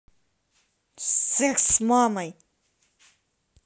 секс с мамой